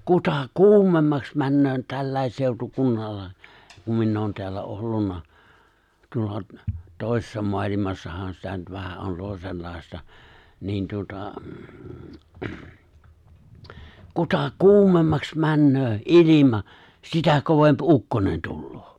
kuta kuumemmaksi menee tälläkin seutukunnalla kun minä olen täällä ollut tuolla toisessa maailmassahan sitä nyt vähän on toisenlaista niin tuota kuta kuumemmaksi menee ilma sitä kovempi ukkonen tulee